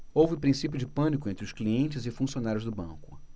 houve princípio de pânico entre os clientes e funcionários do banco